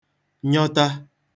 nyọta